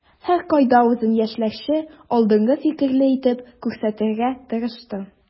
Һәркайда үзен яшьләрчә, алдынгы фикерле итеп күрсәтергә тырышты.